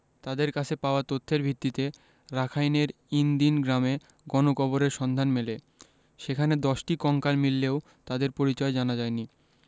তাঁদের কাছে পাওয়া তথ্যের ভিত্তিতে রাখাইনের ইন দিন গ্রামে গণকবরের সন্ধান মেলে সেখানে ১০টি কঙ্কাল মিললেও তাদের পরিচয় জানা যায়নি